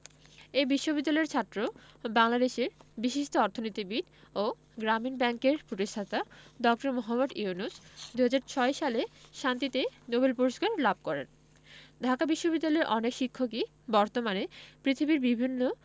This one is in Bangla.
এ বিশ্ববিদ্যালয়ের ছাত্র বাংলাদেশের বিশিষ্ট অর্থনীতিবিদ ও গ্রামীণ ব্যাংকের প্রতিষ্ঠাতা ড. মোহাম্মদ ইউনুস ২০০৬ সালে শান্তিতে নোবেল পূরস্কার লাভ করেন ঢাকা বিশ্ববিদ্যালয়ের অনেক শিক্ষকই বর্তমানে পৃথিবীর বিভিন্ন